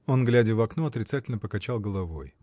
Он, глядя в окно, отрицательно покачал головой.